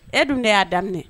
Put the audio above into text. E dun de y'a daminɛ